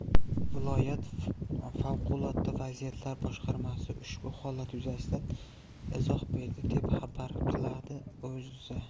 viloyat favqulodda vaziyatlar boshqarmasi ushbu holat yuzasidan izoh berdi deb xabar qiladi o'za